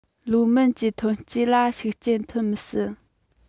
ལོ སྨད ཀྱི ཐོན སྐྱེད ལ ཤུགས རྐྱེན ཐེབས མི སྲིད